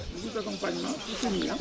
mesure d' accompagnement pour semis yi ah